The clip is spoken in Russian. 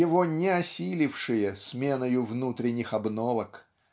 его не осилившие сменою внутренних обновок